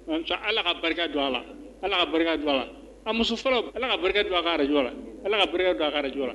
Ala ka barika don a la ala ka barika don a a muso fɔlɔ ala ka barika a jɔ la ala ka don a jɔ la